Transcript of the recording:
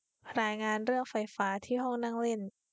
รายงานเรื่องไฟฟ้าที่ห้องนั่งเล่น